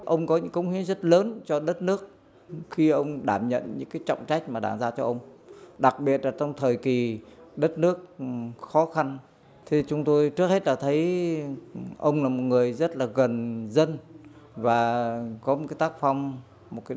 ông có những cống hiến rất lớn cho đất nước khi ông đảm nhận những cái trọng trách mà đảng giao cho ông đặc biệt là trong thời kỳ đất nước khó khăn khi chúng tôi trước hết là thấy ông là một người rất là gần dân và có một cái tác phong